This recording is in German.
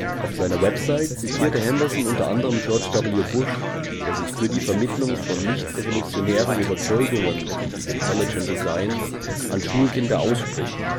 Auf seiner Website zitiert Henderson unter anderem George W. Bush, der sich für die Vermittlung von nicht-evolutionären Überzeugungen wie Intelligent Design an Schulkinder ausspricht